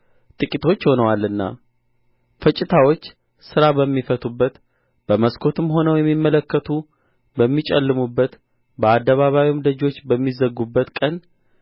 ጥቂቶች ሆነዋልና ፈጭታዎች ሥራ በሚፈቱበት በመስኮትም ሆነው የሚመለከቱ በሚጨልሙበት በአደባባይም ደጆቹ በሚዘጉበት ቀን